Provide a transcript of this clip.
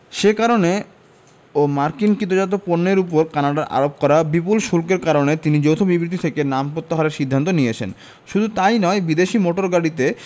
সে কারণে ও মার্কিন কৃতজাতও পণ্যের ওপর কানাডার আরোপ করা বিপুল শুল্কের কারণে তিনি যৌথ বিবৃতি থেকে নাম প্রত্যাহারের সিদ্ধান্ত নিয়েছেন শুধু তা ই নয় বিদেশি মোটর গাড়িতে